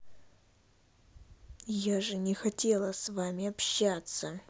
я же не хотела с вами общаться